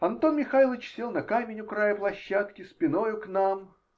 *** Антон Михайлыч сел на камень у края площадки, спиною к нам.